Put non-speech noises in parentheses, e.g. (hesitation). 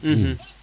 (hesitation) (hesitation)